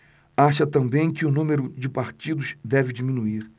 acha também que o número de partidos deve diminuir